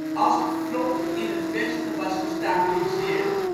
Als het front in het westen was gestabiliseerd